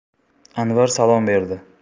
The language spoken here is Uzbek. anvar salom berdi